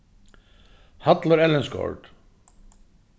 hallur ellingsgaard